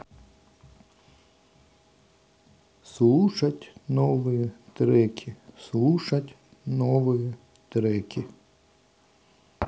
слушать новые треки слушать новые треки